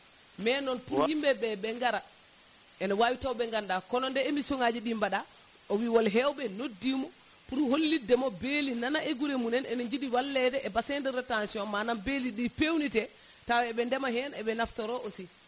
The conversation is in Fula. mais noon pour yimɓeɓe ɓe gaara ene wawi taw ɓe ganda kono nde émission ngajiɗi mbaɗa o wii wol hewɓe noddimo pour holliddemo beeli nana e guure munen ene jiiɗi wallede e bassin de rétention manam beeli ɗi fewnite taw eɓe ndeema hen eɓe naftoro aussi